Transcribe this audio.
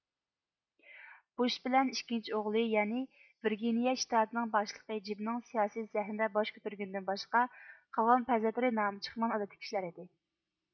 بۇش بىلەن ئىككىنچى ئوغلى يەنى ۋېرگىنىيە شتاتىنىڭ باشلىقى جېبنىڭ سىياسىي سەھنىدە باش كۆتۈرگىنىدىن باشقا قالغان پەرزەنتلىرى نامى چىقمىغان ئادەتتىكى كىشىلەر ئىدى